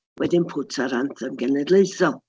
Wedyn pwt o'r anthem genedlaethol.